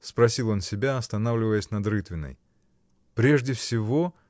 — спросил он себя, останавливаясь над рытвиной. — Прежде всего.